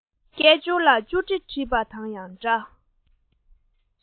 སྐད ཅོར ལ ཅོ འདྲི བྱེད པ དང ཡང འདྲ